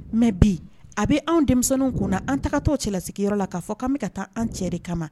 Mais bi a bɛ an denmisɛninw kunna an tagatɔ cɛlasigiyɔrɔ la k'a fɔ kan bɛka ka taa an cɛ de kama.